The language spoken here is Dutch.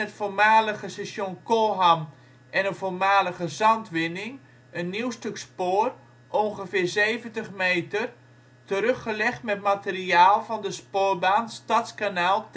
voormalige station Kolham en een voormalige zandwinning een nieuw stuk spoor (ongeveer 70 meter) teruggelegd met materiaal van de spoorbaan Stadskanaal